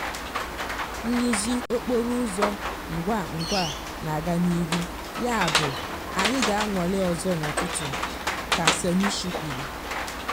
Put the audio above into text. "Nrụzi okporo ụzọ ngwa ngwa na-aga n'ihu, yabụ anyị ga-anwale ọzọ n'ụtụtụ," ka Cernuschi kwuru.